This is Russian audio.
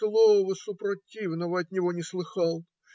Слова супротивного от него не слыхал!